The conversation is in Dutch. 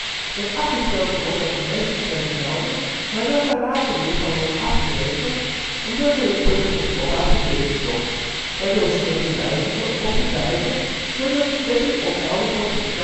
wordt dat de meeste stemmen gelden, maar dat daar later weer van wordt afgeweken omdat er een punt of komma verkeerd stond, waardoor stemmen wijzigen of verdwijnen, zodat de stemming ongeldig wordt